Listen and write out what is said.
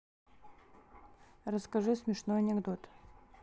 расскажи смешной анекдот